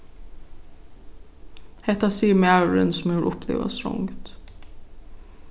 hetta sigur maðurin sum hevur upplivað strongd